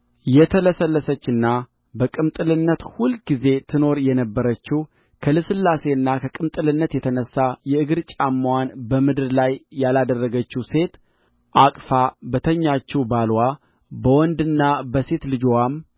የተለሳለሰችና በቅምጥልነት ሁልጊዜ ትኖር የነበረችው ከልስላሴና ከቅምጥልነት የተነሣ የእግር ጫማዋን በምድር ላይ ያላደረገችው ሴት አቅፋ በተኛችው ባልዋ በወንድና በሴት ልጅዋም